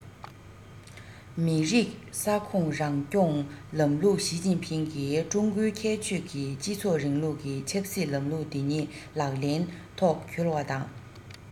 མི རིགས ས ཁོངས རང སྐྱོང ལམ ལུགས ཞིས ཅིན ཕིང གིས ཀྲུང གོའི ཁྱད ཆོས ཀྱི སྤྱི ཚོགས རིང ལུགས ཀྱི ཆབ སྲིད ལམ ལུགས དེ ཉིད ལག ལེན ཐོག འཁྱོལ བ དང